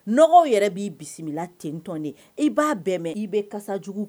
B' bisimila i b'a bɛn i bɛ jugu